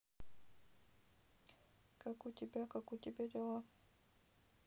как у тебя как у тебя дела